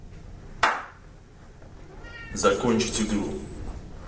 закончить игру